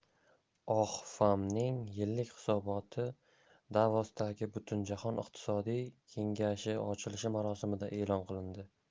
oxfam'ning yillik hisoboti davosdagi butujahon iqtisodiy kengashi ochilish marosimida e'lon qilindi